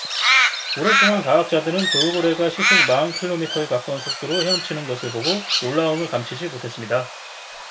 오랫동안 과학자들은 돌고래가 시속 마흔 킬로미터에 가까운 속도로 헤엄치는 것을 보고 놀라움을 감추지 못했습니다